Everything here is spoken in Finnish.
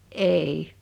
ei